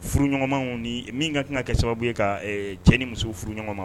Furu ɲɔgɔnmaw min ka kan ka kɛ sababu ye ka cɛ ni muso furu ɲɔgɔnma